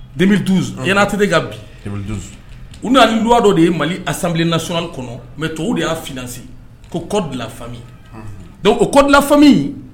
Denbi dun ɲɛnatɛ ka bi u haliwadɔ de ye mali a san nas kɔnɔ mɛ to de y'a fsi ko kɔ dilan fami dɔnku o kɔ dilan fami